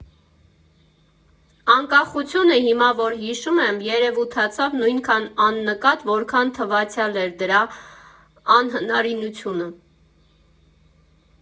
Անկախությունը, հիմա որ հիշում եմ, երևութացավ նույնքան աննկատ, որքան թվացյալ էր դրա անհնարինությունը։